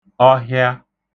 ọhịa